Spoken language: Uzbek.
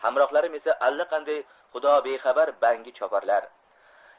hamrohlarim esa allaqanday xudobexabar bangi choparlar